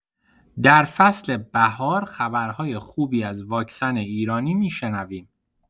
در فصل بهار خبرهای خوبی از واکسن ایرانی می‌شنویم.